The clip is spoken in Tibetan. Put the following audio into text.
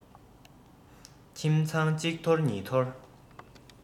ཁྱིམ ཚང གཅིག འཐོར གཉིས འཐོར